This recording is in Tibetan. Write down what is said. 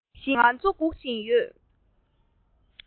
ཞིང ཁམས ཀྱིས ང ཚོ སྒུག བཞིན ཡོད